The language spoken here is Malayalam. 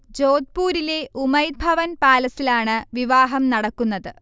ജോഥ്പൂരിലെ ഉമൈദ് ഭവൻ പാലസിലാണ് വിവാഹം നടക്കുന്നത്